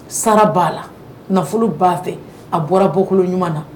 Sara b'a la nafolo b'a fɛ a bɔra bɔkolo ɲuman na